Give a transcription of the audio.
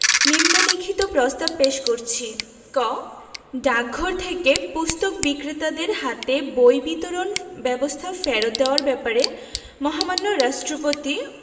নিন্ম লিখিত প্রস্তাব পেশ করছি ক ডাকঘর থেকে পুস্তক বিক্রেতাদের হাতে বই বিতরণ ব্যবস্থা ফেরত দেওয়ার ব্যাপারে মহামান্য রাষ্ট্রপতি